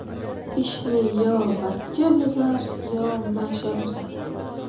ishni yo bachcha buzar yo nasha buzar